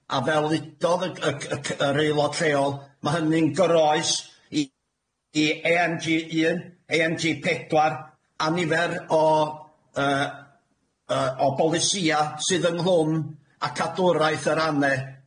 A fel ddudodd y c- y c- yr aelod lleol, ma' hynny'n groes i i Ay Em Gee un, Ay Em Gee pedwar, a nifer o yy yy, o bolisïa sydd ynghlwm â cadwraeth yr AHNE.